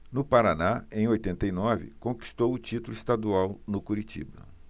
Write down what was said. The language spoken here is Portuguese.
no paraná em oitenta e nove conquistou o título estadual no curitiba